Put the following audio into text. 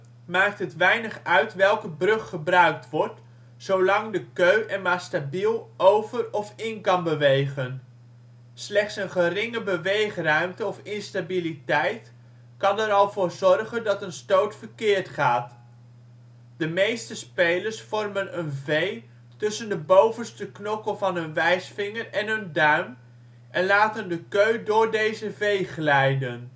maakt het weinig uit welke brug gebruikt wordt, zolang de keu er maar stabiel over of in kan bewegen. Slechts een geringe beweegruimte of instabiliteit kan er al voor zorgen dat een stoot verkeerd gaat. De meeste spelers vormen een ' V ' tussen de bovenste knokkel van hun wijsvinger en hun duim, en laten de keu door deze V ' glijden